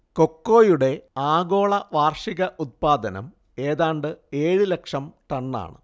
കൊക്കോയുടെ ആഗോള വാർഷിക ഉത്പാദനം ഏതാണ്ട് ഏഴ് ലക്ഷം ടണ്ണാണ്